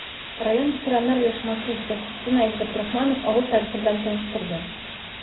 Район ветераннар оешмасы җитәкчесе Наил Габдрахманов авыл тарихы белән таныштырды.